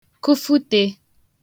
kufụtē